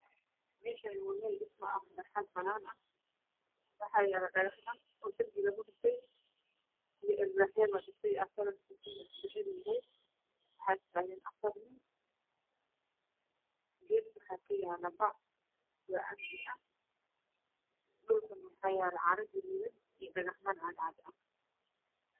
Meeshaani waa meel dhismo ah barxad banaan ah waxaa yaalo dhagaxaan oo darbi lagu dhisay iyo alwaaxyo la dhisay kalarkiisu dahabi yahay waxaa taagan afar nin gees waxa ka yaalo bac oo canbi ah dhulkana waxaa yaalo caro gaduudan ito dhagaxaan cad cad ah